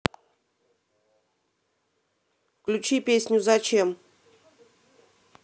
включи песню зачем